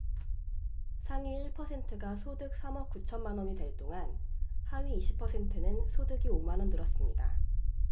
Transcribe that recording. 상위 일 퍼센트가 소득 삼 억 구천 만원이 될 동안 하위 이십 퍼센트는 소득이 오 만원 늘었습니다